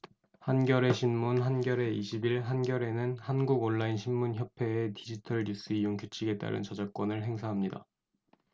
한겨레신문 한겨레 이십 일 한겨레는 한국온라인신문협회의 디지털뉴스이용규칙에 따른 저작권을 행사합니다